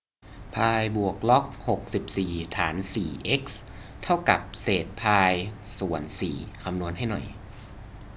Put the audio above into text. พายบวกล็อกหกสิบสี่ฐานสี่เอ็กซ์เท่ากับเศษพายส่วนสี่คำนวณให้หน่อย